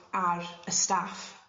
ar y staff